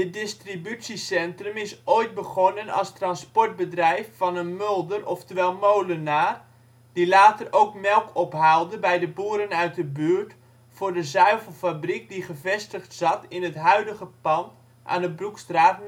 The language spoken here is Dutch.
distributiecentrum is ooit begonnen als transportbedrijf van een mulder oftewel molenaar, die later ook melk ophaalde bij de boeren uit de buurt voor de zuivelfabriek die gevestigd was in het huidige pand aan de Broekstraat